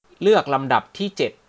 เลือกลำดับที่เจ็ด